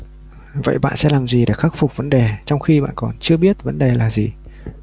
vậy bạn sẽ làm gì để khắc phục vấn đề trong khi bạn còn chưa biết vấn đề là gì